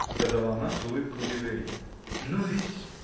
— сказала она с улыбкой удивления. — Но ведь.